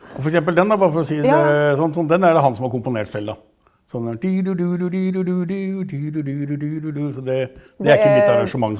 og f.eks. den da, bare for å si det sånn sånn, den er det han som har komponert selv da, så den så det det er ikke mitt arrangement.